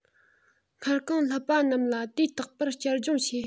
སྔར གང བསླབས པ རྣམས ལ དུས རྟག པར བསྐྱར སྦྱོང བྱེད